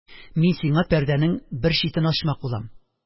Мин сиңа пәрдәнең бер читен ачмак булам.